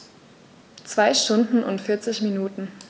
2 Stunden und 40 Minuten